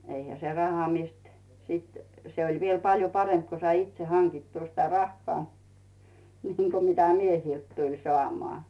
eihän se raha mistä sitten se oli vielä paljon parempi kun sai itse hankittua sitä rahaa niin kuin mitä miehiltä tuli saamaan